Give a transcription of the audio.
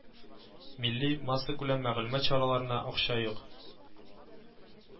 Милли массакүләм мәгълүмат чараларына акча юк